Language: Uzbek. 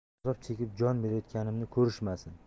azob chekib jon berayotganimni ko'rishmasin